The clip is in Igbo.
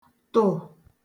tụ̀